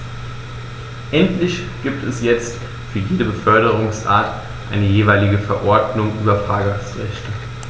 Endlich gibt es jetzt für jede Beförderungsart eine jeweilige Verordnung über Fahrgastrechte.